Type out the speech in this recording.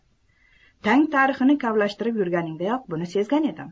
tang tarixini kavlashtirib yurganingdayoq buni sezib edim